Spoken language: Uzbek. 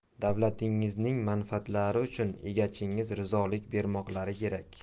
davlatingizning manfaatlari uchun egachingiz rizolik bermoqlari kerak